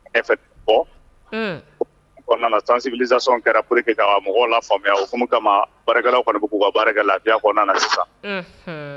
O nana sansibisason kɛra purke ka mɔgɔw la faamuya o komi kama baara fana k'u ka baara la kɔnɔna sisan